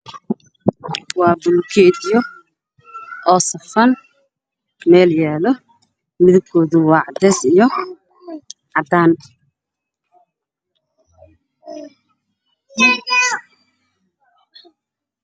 Halkaan waxaa ka muuqdo bulkeeti guryaha lagu dhiso oo meel ku rasteesan